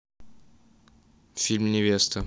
фильм невеста